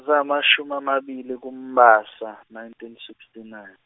zingamashumi amabili kuMbasa nineteen sixty nine.